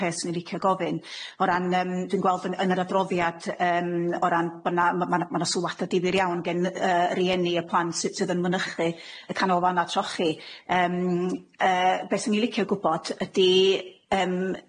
o ran yym dwi'n gweld yn yn yr adroddiad yym o ran bo' 'na ma' ma' 'na ma' 'na sylwadau ddifyr iawn gen yy rhieni y plant sydd sydd yn mynychu y Canolfanna Trochi yym yy be 'swn i'n licio gwbod ydi yym